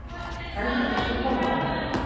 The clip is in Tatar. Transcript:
Хәзер Барсуков бара.